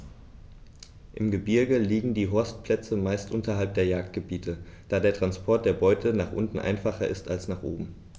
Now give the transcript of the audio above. Im Gebirge liegen die Horstplätze meist unterhalb der Jagdgebiete, da der Transport der Beute nach unten einfacher ist als nach oben.